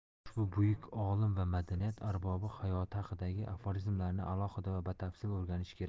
ushbu buyuk olim va madaniyat arbobi hayoti haqidagi aforizmlarni alohida va batafsil o'rganish kerak